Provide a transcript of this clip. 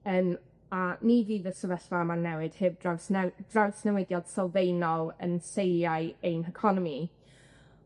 Yym a ni fydd y sefyllfa yma'n newid heb draws new- draws newidiad sylfaenol yn seiliau ein heconomi.